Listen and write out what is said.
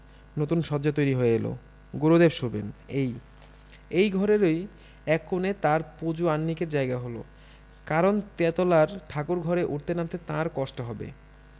নতুন শয্যা তৈরি হয়ে এলো গুরুদেব শোবেন এই এই ঘরেরই এক কোণে তাঁর পূজো আহ্নিকের জায়গা হলো কারণ তেতলার ঠাকুরঘরে উঠতে নামতে তাঁর কষ্ট হবে